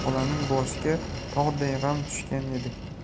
xolaning boshiga tog'day g'am tushgan edi